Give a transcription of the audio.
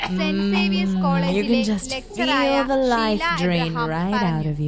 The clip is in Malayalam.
സെന്റ് സേവിയേഴ്സ് കോളേജിലെ ലക്ചർ ആയ ഷീല എബ്രഹാം പറഞ്ഞു